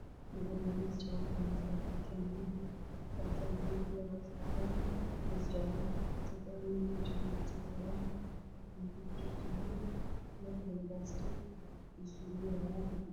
Meeshaan waa laami waxaa ka muuqdo gaari midabkiisa yahay jaalo